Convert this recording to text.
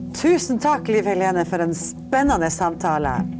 tusen takk Liv Helene for en spennende samtale.